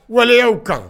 Waleyaw kan.